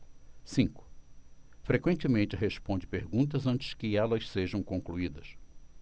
cinco frequentemente responde perguntas antes que elas sejam concluídas